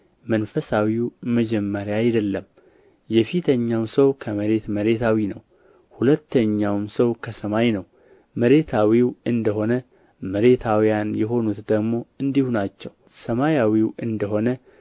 መንፈሳዊው መጀመሪያ አይደለም የፊተኛው ሰው ከመሬት መሬታዊ ነው ሁለተኛው ሰው ከሰማይ ነው መሬታዊው እንደ ሆነ መሬታውያን የሆኑት ደግሞ እንዲሁ ናቸው ሰማያዊው እንደ ሆነ